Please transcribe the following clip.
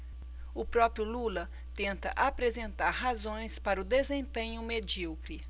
o próprio lula tenta apresentar razões para o desempenho medíocre